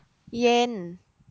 เย็น